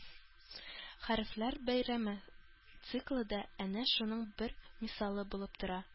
«хәрефләр бәйрәме» циклы да әнә шуның бер мисалы булып тора